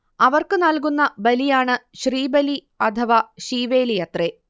അവർക്ക് നൽകുന്ന ബലിയാണ് ശ്രീബലി അഥവാ ശീവേലി അത്രെ